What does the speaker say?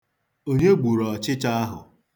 Onye gburu ọchịcha ahụ?